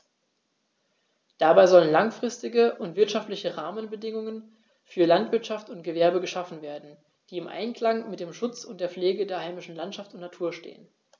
Dabei sollen langfristige und wirtschaftliche Rahmenbedingungen für Landwirtschaft und Gewerbe geschaffen werden, die im Einklang mit dem Schutz und der Pflege der heimischen Landschaft und Natur stehen.